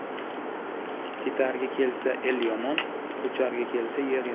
ketarga kelsa el yomon ko'charga kelsa yer yomon